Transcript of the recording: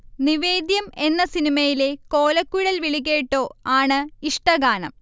നിവേദ്യം എന്ന സിനിമയിലെ കോലക്കുഴൽവിളി കേട്ടോ ആണ് ഇഷ്ടഗാനം